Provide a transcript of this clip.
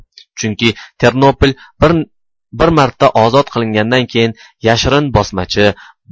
chunki ternopol bir bir marta ozod qilingandan keyin yashirin bosmachi